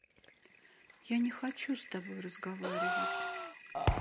я не хочу с тобой разговаривать